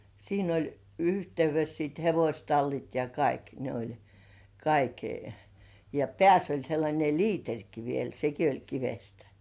siinä oli yhteydessä sitten hevostallit ja kaikki ne oli kaiken ja päässä oli sellainen liiterikin vielä sekin oli kivestä